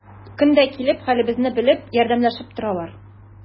Көн дә килеп, хәлебезне белеп, ярдәмләшеп торалар.